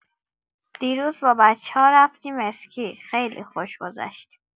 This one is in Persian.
دیروز با بچه‌ها رفتیم اسکی، خیلی خوش گذشت!